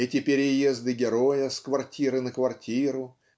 Эти переезды героя с квартиры на квартиру